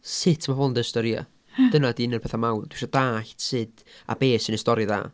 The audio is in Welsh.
Sut mae pobl yn deud storïau... ia ...Dyna ydy un o'r pethau mawr. Dwi isio dallt sut a be' sy'n wneud stori dda.